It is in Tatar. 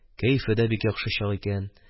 Кәефе дә бик яхшы чак икән,